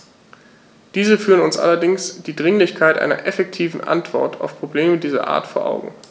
Diese führen uns allerdings die Dringlichkeit einer effektiven Antwort auf Probleme dieser Art vor Augen.